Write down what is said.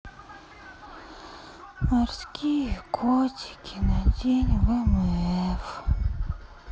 морские котики на день вмф